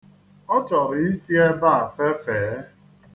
Ọ chọrọ isi ebe a fefee.